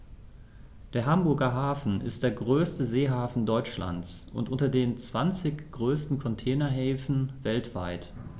Der Hamburger Hafen ist der größte Seehafen Deutschlands und unter den zwanzig größten Containerhäfen weltweit.